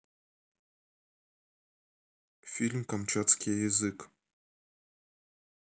фильм камчатский язык